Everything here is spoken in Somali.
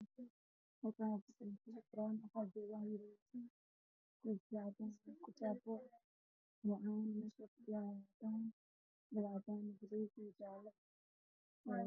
Waa masjidka waa joogay Ilmo yar yar